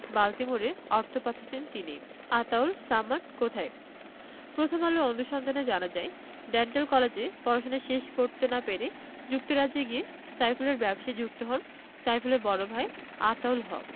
বাল্টিমোরে অর্থ পাঠাতেন তিনি আতাউল সামাদ কোথায় প্রথম আলোর অনুসন্ধানে জানা যায় ডেন্টাল কলেজে পড়াশোনা শেষ করতে না পেরে যুক্তরাজ্যে গিয়ে সাইফুলের ব্যবসায় যুক্ত হন সাইফুলের বড় ভাই আতাউল হক